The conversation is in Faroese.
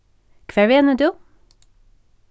hvar venur tú